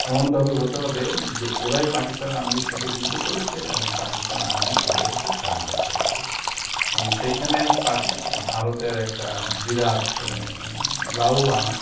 এমনভাবে হতে হবে যে ওরাই আর্মির সাথে যুদ্ধ করেছে এবং পাকিস্তান আর্মি ওদের হাতে সারেন্ডার করেছে এবং সেইখানে ভারতের একটা বিরাট লাভবান